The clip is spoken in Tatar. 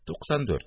– туксан дүрт